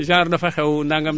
genre dafa xew nangam